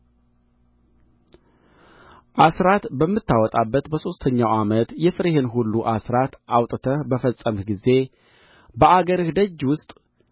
አሥራት በምታወጣበት በሦስተኛው ዓመት የፍሬህን ሁሉ አሥራት አውጥተህ በፈጸምህ ጊዜ በአገርህ ደጅ ውስጥ